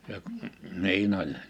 ja niin oli